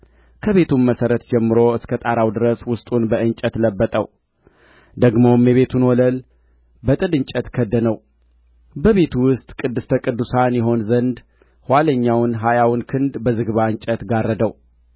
ከቤቱም መሠረት ጀምሮ እስከ ጣራው ድረስ ውስጡን በእንጨት ለበጠው ደግሞም የቤቱን ወለል በጥድ እንጨት ከደነው በቤቱ ውስጥ ቅድስተ ቅዱሳን ይሆን ዘንድ ኋለኛውን ሀያውን ክንድ በዝግባ እንጨት ጋረደው